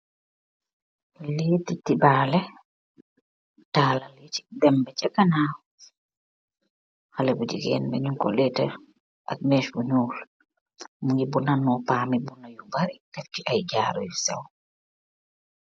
Layti tibale talal dem basi nganaw hale bu jigeen bi nung ko leta ak mees bu nuul mogi bona nopam bi bona yu bari def si ay jaaru yu seew.